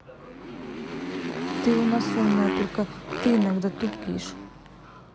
ты у нас умная только ты иногда тупишь